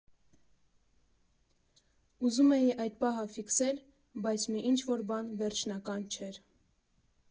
Ուզում էի այդ պահը ֆիքսել, բայց մի ինչ֊որ բան վերջնական չէր։